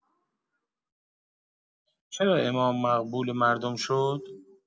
چرا امام مقبول مردم شد؟